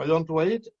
mae o'n dweud